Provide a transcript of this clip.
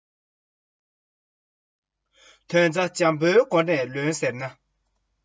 དོན རྩ འཇམ པོའི སྒོ ནས ལོན ཟེར ན